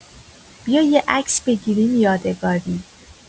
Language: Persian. بیا یه عکس بگیریم یادگاری